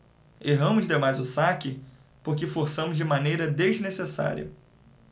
erramos demais o saque porque forçamos de maneira desnecessária